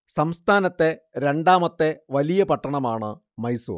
സംസ്ഥാനത്തെ രണ്ടാമത്തെ വലിയ പട്ടണമാണ് മൈസൂർ